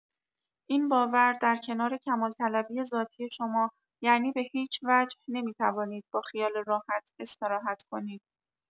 این باور در کنار کمال‌طلبی ذاتی شما، یعنی به‌هیچ‌وجه نمی‌توانید با خیال راحت استراحت کنید.